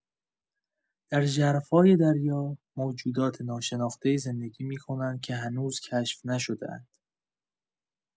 در ژرفای دریا، موجودات ناشناخته‌ای زندگی می‌کنند که هنوز کشف نشده‌اند.